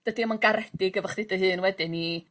dydi o'm yn garedig efo chdi dy hun wedyn i...